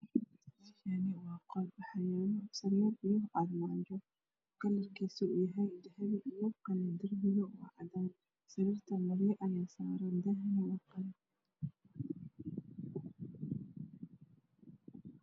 Meeshani waa qol waxaa yaalo surwaal iyo armaajo kalarkiisu uu yahaay dahabi iyo qalin darbigana waa cadaan sariirtana maryo ayaa saaran daahana wa qalin